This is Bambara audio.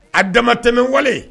A damatɛmɛ wale